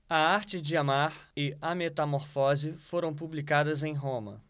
a arte de amar e a metamorfose foram publicadas em roma